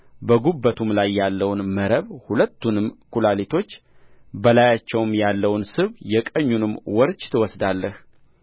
በጉበቱም ላይ ያለውን መረብ ሁለቱንም ኵላሊቶች በላያቸውም ያለውን ስብ የቀኙንም ወርች ትወስዳለህ